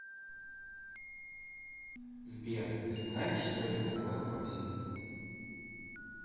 сбер ты знаешь что это такое просит